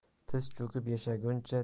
tiz cho'kib yashaguncha